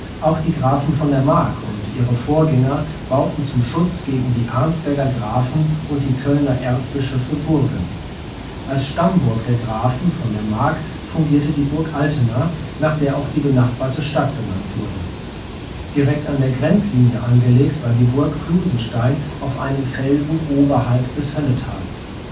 Auch die Grafen von der Mark und ihre Vorgänger bauten zum Schutz gegen die Arnsberger Grafen und die Kölner Erzbischöfe Burgen. Als Stammburg der Grafen von der Mark fungierte die Burg Altena, nach der auch die benachbarte Stadt benannt wurde. Direkt an der Grenzlinie angelegt war die Burg Klusenstein auf einem Felsen oberhalb des Hönnetals